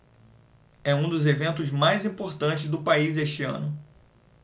é um dos eventos mais importantes do país este ano